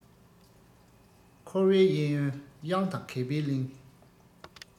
འཁོར བའི གཡས གཡོན གཡང དང གད པའི གླིང